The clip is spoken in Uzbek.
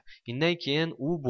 innaykeyin u